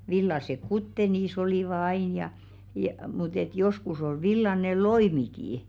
villaiset kuteet niissä olivat aina ja - mutta että joskus oli villainen loimikin